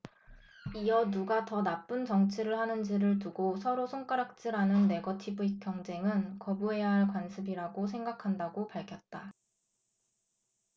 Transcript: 이어 누가 더 나쁜 정치를 하는 지를 두고 서로 손가락질 하는 네거티브 경쟁은 거부해야 할 관습이라고 생각한다고 밝혔다